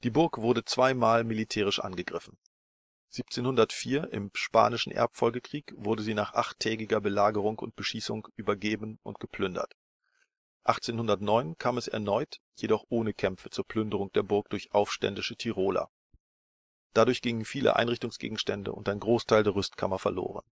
Burg wurde zweimal militärisch angegriffen. 1704 im Spanischen Erbfolgekrieg wurde sie nach achttägiger Belagerung und Beschießung übergeben und geplündert. 1809 kam es erneut, jedoch ohne Kämpfe, zur Plünderung der Burg durch aufständische Tiroler. Dadurch gingen viele Einrichtungsgegenstände und ein Großteil der Rüstkammer verloren